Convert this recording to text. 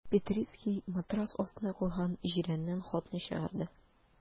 Петрицкий матрац астына куйган җирәннән хатны чыгарды.